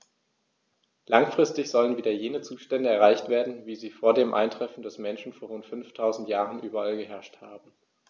Langfristig sollen wieder jene Zustände erreicht werden, wie sie vor dem Eintreffen des Menschen vor rund 5000 Jahren überall geherrscht haben.